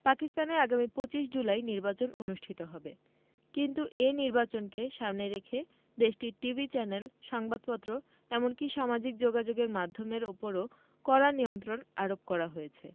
পাকিস্তানে আগামী ২৫ জুলাই নির্বাচন অনুষ্ঠিত হবে কিন্তু এই নির্বাচনকে সামনে রেখে দেশটির টিভি চ্যানেল সংবাদপত্র এমনকি সামাজিক যোগাযোগের মাধ্যমের উপরেও কড়া নিয়ন্ত্রণ আরোপ করা হয়েছে